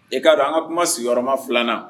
E k'a an ka kuma sigiyɔrɔ yɔrɔma filanan na